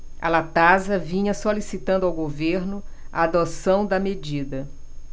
a latasa vinha solicitando ao governo a adoção da medida